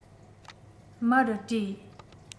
མར བྲོས